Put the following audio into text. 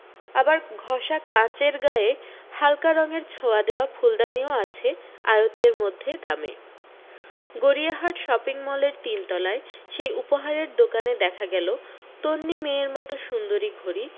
আবার ঘষা কাঁচের গায়ে হালকা রঙের ছোঁয়া দেওয়া ফূলদানিও আছে আয়ত্তের মধ্যে দামে গড়িয়াহাট শপিং মলের তিনতলায় সেই উপহারের দোকানে দেখা গেল তন্বী মেয়ের মতো সুন্দরী ঘড়ি